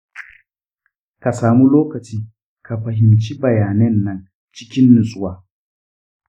ka samu lokaci ka fahimci bayanan nan cikin nutsuwa.